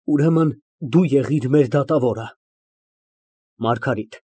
Ուրեմն դու եղիր մեր դատավորը։ ՄԱՐԳԱՐԻՏ ֊